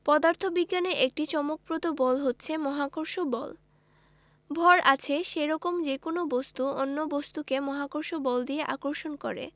পদার্থবিজ্ঞানের একটি চমকপ্রদ বল হচ্ছে মহাকর্ষ বল ভর আছে সেরকম যেকোনো বস্তু অন্য বস্তুকে মহাকর্ষ বল দিয়ে আকর্ষণ করে